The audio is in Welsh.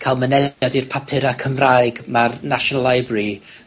ca'l mynediad i'r papura' Cymraeg ma'r National Libry